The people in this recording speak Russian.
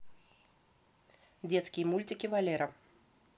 детские мультики валера